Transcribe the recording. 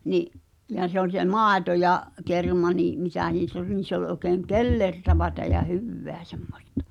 niin ja se oli se maito ja kerma niin mitä niissä oli niin se oli oikein kellertävää ja hyvää semmoista